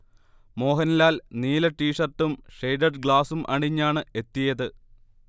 മോഹൻലാൽ നീല ടീഷർട്ടും ഷെയ്ഡഡ് ഗ്ലാസും അണിഞ്ഞാണ് എത്തിയത്